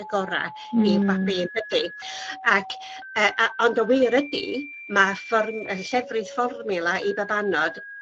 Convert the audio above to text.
y gora' i'r babi yndydi? Ac yy a- ond y wir ydi ma' fform- yy llefrith fformiwla i babanod